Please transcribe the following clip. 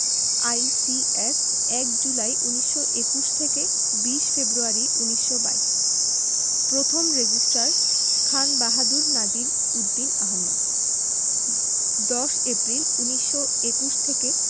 ICS ১ July ১৯২১ থেকে ২০ February ১৯২২ প্রথম registrar Khan Bahadur Nazir Uddin Ahmad ১০ April ১৯২১ থেকে